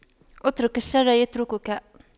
اترك الشر يتركك